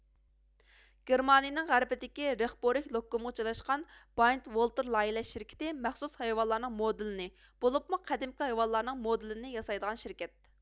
گېرمانىيىنىڭ غەربىدىكى رېخبۇرگ لوككۇمغا جايلاشقان بايند ۋولتىر لايىھىلەش شىركىتى مەخسۇس ھايۋانلارنىڭ مودېلىنى بولۇپمۇ قەدىمكى ھايۋانلارنىڭ مودېلىنى ياسايدىغان شىركەت